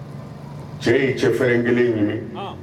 Cɛ ye cɛ fɛrɛrin kelen ɲini